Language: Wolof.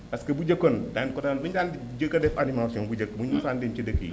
parce que bu njëkkoon daañu ko daan dañu daan njëkk a def animation bu njëkk bu ñu mosaan a dem ci dëkk yi